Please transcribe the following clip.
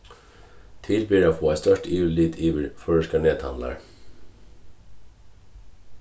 til ber at fáa eitt stórt yvirlit yvir føroyskar nethandlar